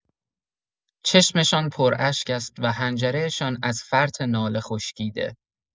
چشمشان پراشک است و حنجره‌شان از فرط ناله خشکیده.